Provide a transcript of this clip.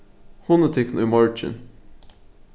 hugnið tykkum í morgin